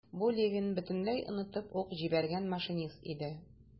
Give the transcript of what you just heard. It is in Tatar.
Бу - Левин бөтенләй онытып ук җибәргән машинист иде.